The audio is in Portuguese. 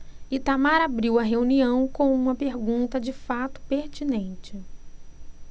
itamar abriu a reunião com uma pergunta de fato pertinente